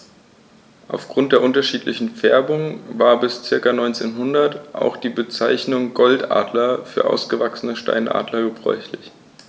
Auf Grund der unterschiedlichen Färbung war bis ca. 1900 auch die Bezeichnung Goldadler für ausgewachsene Steinadler gebräuchlich.